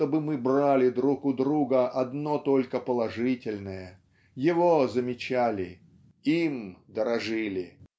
чтобы мы брали друг у друга одно только положительное его замечали им дорожили.